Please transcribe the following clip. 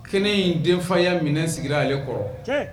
Kelen in denfaya minɛ sigira ale kɔrɔ